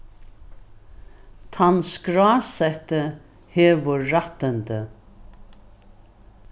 tann skrásetti hevur rættindi